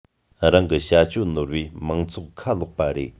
རང གི བྱ སྤྱོད ནོར བས མང ཚོགས ཁ ལོག པ རེད